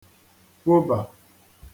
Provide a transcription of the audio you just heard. kwobà